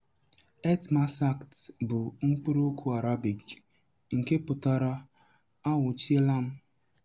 Etmasakt bụ mkpụrụokwu Arabic nke pụtara "A nwụchiela m".